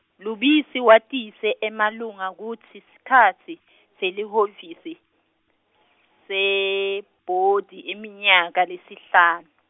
Lubisi watise emalunga kutsi, sikhatsi, selihhovisi, sebhodi iminyaka lesihlanu.